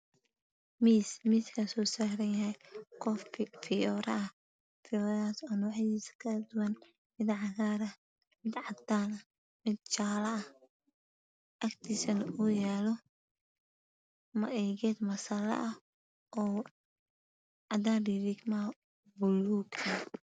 Waa miis uu saaran yahay fiyoore mid waa cagaar midna waa cadaan iyo mid jaale ah. Agtiisana masala ah oo leh cadaan riigmo ah.